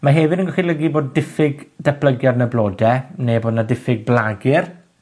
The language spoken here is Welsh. Ma' hefyd yn gallu olygu bod diffyg datblygiad yn y blode, ne' bo' 'na diffyg blagur.